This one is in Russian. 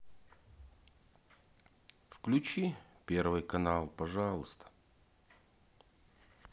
включи первый канал пожалуйста